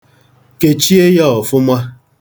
Kechie ya ọfụma.